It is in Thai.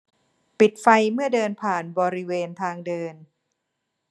ปิดไฟเมื่อเดินผ่านบริเวณทางเดิน